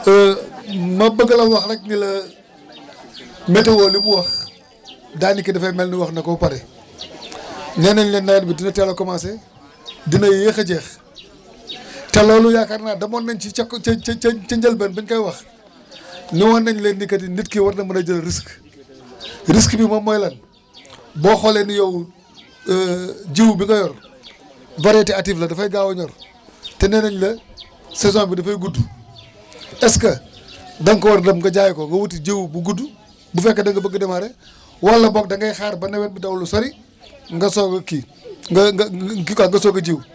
ma bëgg la wax rek ni la météo li mu wax daanaka dafay mel ni wax na ko ba pare nee nañ leen nawet bi dina teel a commencé dina yéex a jeex te loolu yaakaar naa demoon nañu ci ca ca ca njëlbeen ba ñu koy wax ne woon nañ leen ni que ni nit ki war na mën a jël risque risque bi moom mooy lan boo xoolee ni yow jiw bi nga yor variété active la dafay gaaw a ñor te nee nañu la saison bi dafay gudd est ce que da nga koo war a dem nga jaayi ko nga wuti jiw bu gudd bu fekkee da nga bëgg démarré wala boog da ngay xaar ba nawet bi daw lu sori nga soog a kii nga nga nga kii quoi nga soog a jiw